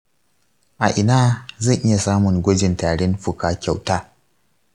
a ina zan iya samun gwajin tarin fuka kyauta?